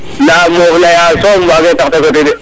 nda moof leya som wage tax te sotide